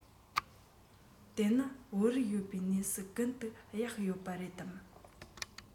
དེ ན བོད རིགས ཡོད སའི གནས ཀུན ཏུ གཡག ཡོད པ རེད དམ